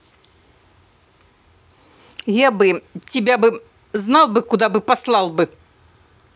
я бы тебя бы знал бы куда послал бы